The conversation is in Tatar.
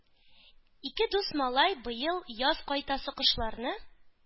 Ике дус малай быел яз кайтасы кошларны